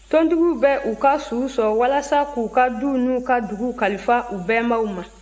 tontigiw bɛ u ka suw sɔn walasa k'u ka du n'u ka dugu kalifa u bɛnbaw ma